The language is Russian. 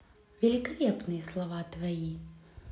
великолепные слова твои